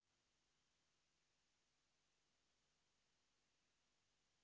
афина а ты с гуглом дружишь